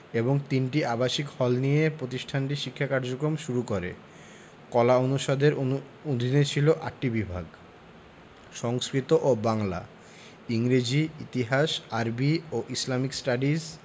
এবং ৩টি আবাসিক হল নিয়ে এ প্রতিষ্ঠানটি শিক্ষা কার্যক্রম শুরু করে কলা অনুষদের অধীনে ছিল ৮টি বিভাগ সংস্কৃত ও বাংলা ইংরেজি ইতিহাস আরবি ও ইসলামিক স্টাডিজ